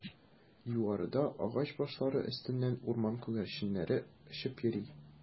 Югарыда агач башлары өстеннән урман күгәрченнәре очып йөри.